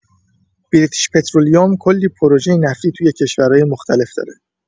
بریتیش‌پترولیوم کلی پروژه نفتی توی کشورای مختلف داره.